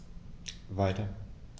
Weiter.